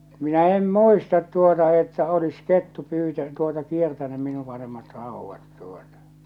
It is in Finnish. minä en muista tuota että olisi kettu - tuota kiertänyt minun panemat raudat tuota